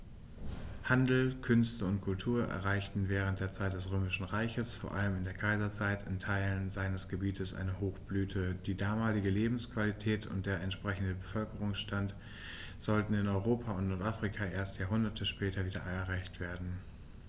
Handel, Künste und Kultur erreichten während der Zeit des Römischen Reiches, vor allem in der Kaiserzeit, in Teilen seines Gebietes eine Hochblüte, die damalige Lebensqualität und der entsprechende Bevölkerungsstand sollten in Europa und Nordafrika erst Jahrhunderte später wieder erreicht werden.